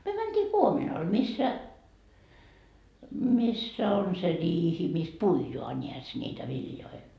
me mentiin kuominalle missä missä on se riihi missä puidaan näes niitä viljoja